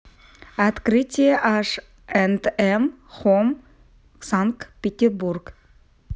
открытие h and m home санкт петербург